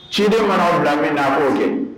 Ciden mara bila mindaa k'o kɛ